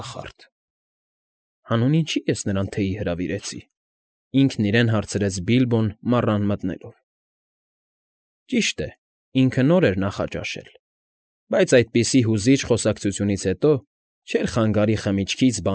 Կախարդ։ ֊ Հանուն ինչի՞ ես նրան թեյի հրավիրեցի, ֊ ինքն իրեն հարցերց Բիլբոն մառան մտնելով. ճիշտ է, ինքը նոր էր նախաճաշել, բայց այդպիսի հուզիչ խոսակցությունից հետո չէր խանգարի խմիչքից,